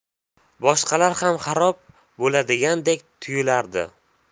boshqalar ham xarob bo'ladigandek tuyulardi